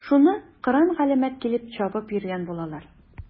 Шуны кыран-галәмәт килеп чабып йөргән булалар.